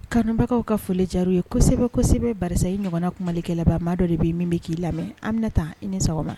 Karamɔgɔbagaw ka folidi ye kosɛbɛ kosɛbɛ bara i ɲɔgɔnna kumalikɛ laban ma dɔ de bɛ min bɛ k'i lamɛn an minɛ taa i ni sɔgɔma